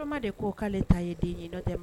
de ko k'ale ta ye den ye